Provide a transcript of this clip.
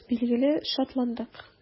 Без, билгеле, шатландык.